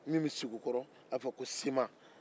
min bɛ sigi o kɔrɔ a bɛ f'ɔ ko sima